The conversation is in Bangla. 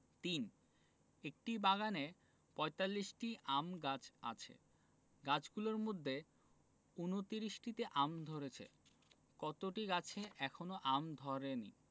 ৩ একটি বাগানে ৪৫টি আম গাছ আছে গাছগুলোর মধ্যে ২৯টিতে আম ধরেছে কতটি গাছে এখনও আম ধরেনি